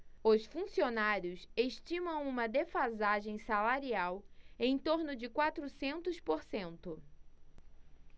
os funcionários estimam uma defasagem salarial em torno de quatrocentos por cento